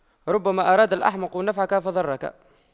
ربما أراد الأحمق نفعك فضرك